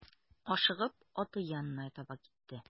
Ашыгып аты янына таба китте.